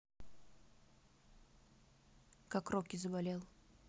как rocky заболел